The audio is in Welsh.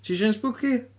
Ti isio un spooky?